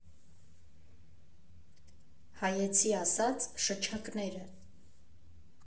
Հայեցի ասած՝ շչակները։